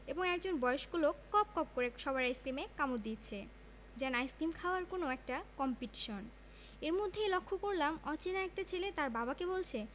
এবং একজন বয়স্ক লোক কপ কপ করে সবার আইসক্রিমে কামড় দিচ্ছে যেন আইসক্রিম খাওয়ার কোন একটা কম্পিটিশন এর মধ্যেই লক্ষ্য করলাম অচেনা একটা ছেলে তার বাবাকে বলছে